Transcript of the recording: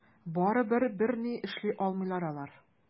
Барыбер берни эшли алмыйлар алар.